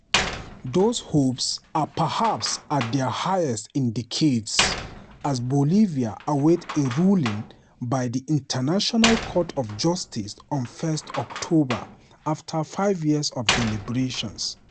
Those hopes are perhaps at their highest in decades, as Bolivia awaits a ruling by the international court of justice on 1 October after five years of deliberations.